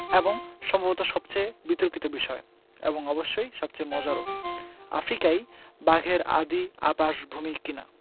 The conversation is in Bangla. এবং সম্ভবত সবচেয়ে বিতর্কিত বিষয় এবং অবশ্যই সবচেয়ে মজারও আফ্রিকাই বাঘের আদি আবাসভূমি কি না